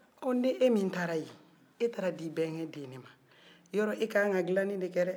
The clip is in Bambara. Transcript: ɔ ni e min taara ye e taara di e balimakɛ de ma e ka kan ka gilanni de kɛ dɛ